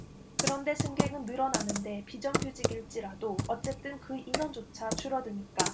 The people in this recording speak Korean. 그런데 승객은 늘어나는데 비정규직일지라도 어쨌든 그 인원조차 줄어드니까